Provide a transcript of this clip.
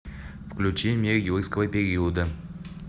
включи мир юрского периода